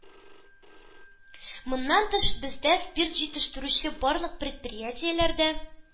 Моннан тыш, бездә спирт җитештерүче барлык предприятиеләр дә